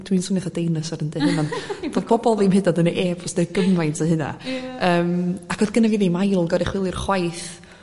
dwi'n swnio 'atha deinosor yn deud hyn ’ŵan ond dodd pobol ddim hyd yn oed yn e-bostio gymaint o hynna yym ac o'dd gyno fi ddim ail goruchwyliwr chwaith